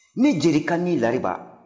ne jerika ni lariba